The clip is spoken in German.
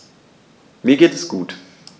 Mir geht es gut.